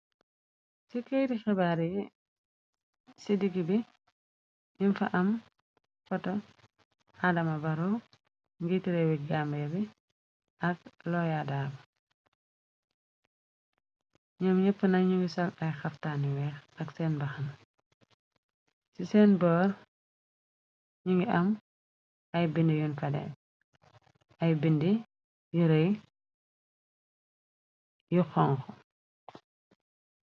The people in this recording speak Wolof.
ci keyti xebaare ci digg bi yun fa am foto aadama baro ngir réwi gaameeri at loyaadaab ñoom nepp na ñu ngi sol ay xaftaani weex ak seen baxan ci seen boor ñu ngi am ay bind yun fader ay bind yu rëy yu xonk